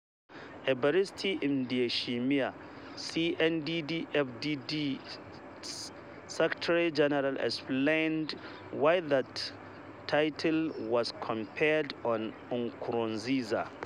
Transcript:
Evariste Ndayishimiye, CNDD-FDD’s secretary general explained why that title was conferred on Nkurunziza: